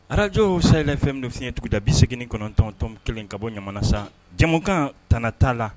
Arajo say fɛn minfiɲɛuguda bisegin kɔnɔntɔntɔn kelen ka bɔ ɲamana sa jamukan t ta la